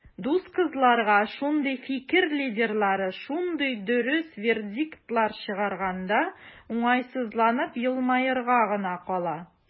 Дус кызларга шундый "фикер лидерлары" шундый дөрес вердиктлар чыгарганда, уңайсызланып елмаерга гына кала.